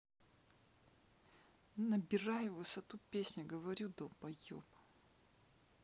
набираю высоту песня говорю долбоеб